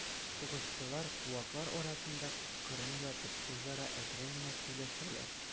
Сугышчылар, куаклар арасында кырын ятып, үзара әкрен генә сөйләшәләр.